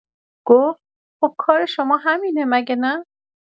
گفت: «خب کار شما همینه، مگه نه؟»